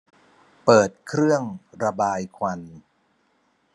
เปิดเครื่องระบายควัน